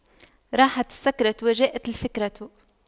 راحت السكرة وجاءت الفكرة